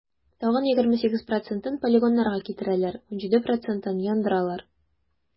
Тагын 28 процентын полигоннарга китерәләр, 17 процентын - яндыралар.